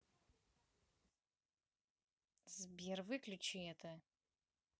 сбер выключи это